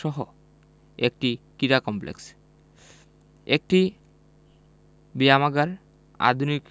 সহ একটি কীড়া কমপ্লেক্স একটি ব্যায়ামাগার আধুনিক